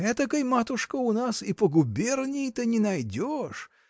Этакой, матушка, у нас и по губернии-то не найдешь!